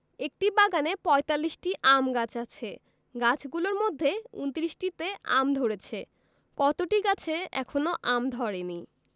একটি বাগানে ৪৫টি আম গাছ আছে গাছগুলোর মধ্যে ২৯টিতে আম ধরেছে কতটি গাছে এখনও আম ধরেনি